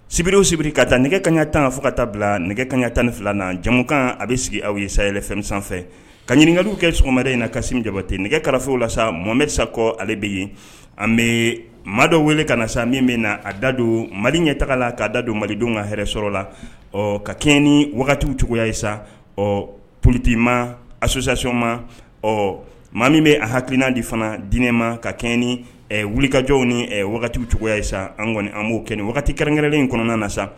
Sibiriw sibiri ka taa nɛgɛ kaɲaya tan kan fo ka ta bila nɛgɛ kaya tan ni fila na jamumu kan a bɛ sigi aw ye sayɛlɛfɛn sanfɛ ka ɲininkakali kɛsma wɛrɛ in na ka jabate nɛgɛ kalafew la mɔmesa kɔ ale bɛ yen bɛ maa dɔ wele ka na sa min bɛ na a da don mali ɲɛ taga la kaa da don malidenw ka hɛrɛɛɛrɛ sɔrɔ la ɔ ka kɛ ni wagati cogoyaya ye sa ɔ poliorotetima a susasionma ɔ min bɛ a hakilikilina de fana diinɛ ma ka kɛ ni wulikajɔw ni wagati cogoyaya an kɔni an b'o kɛnɛ wagati kɛrɛnkɛrɛn in kɔnɔna na sa